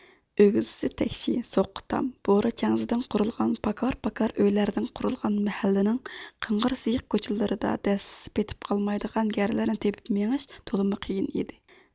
ئۆگزىسى تەكشى سوققا تام بورا چەڭزىدىن قۇرۇلغان پاكار پاكار ئۆيلەردىن قۇرۇلغان مەھەللىنىڭ قىڭغىر قىيسىق كوچىلىرىدا دەسسىسە پېتىپ قالمايدىغان يەرلەرنى تېپىپ مېڭىش تولىمۇ قىيىن ئىدى